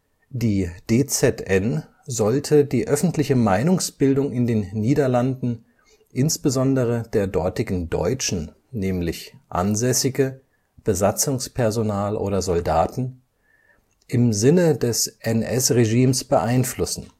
Die DZN sollte die öffentliche Meinungsbildung in den Niederlanden, insbesondere der dortigen Deutschen (Ansässige, Besatzungspersonal, Soldaten), im Sinne des NS-Regimes beeinflussen